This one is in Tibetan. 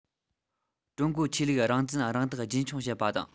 ཀྲུང གོའི ཆོས ལུགས རང བཙན རང བདག རྒྱུན འཁྱོངས བྱེད པ དང